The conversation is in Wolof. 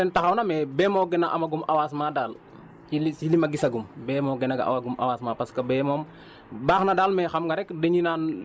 non boobu moom tamit même ren taxaw na mais bee moo gën a amagum avancement daal ci li ci li ma gisagum bee moo gën a amagum avancement parce que bee moom baax na daal